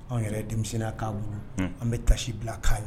Anw yɛrɛ denmuso na ka bolo . An bi tasi bila ka ye.